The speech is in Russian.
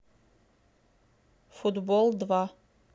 футбол два